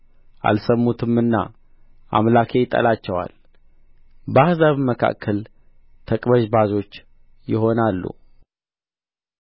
አልሰሙትምና አምላኬ ይጥላቸዋል በአሕዛብም መካከል ተቅበዝባዦች ይሆናሉ